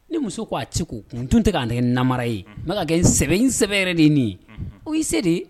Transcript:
Ne muso ko a tɛ ko, u dun tɛ k'a nɛgɛn ni namara ye, unhun, n'a ka kɛ n sɛb n sɛbɛ yɛrɛ de ye nin ye, unhun, o y'i se de ye